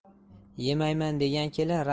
yemayman degan kelin